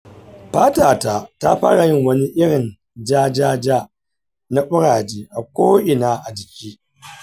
fatata ta fara yin wani irin ja-ja na kuraje a ko’ina a jiki.